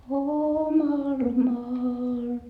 omalle maalle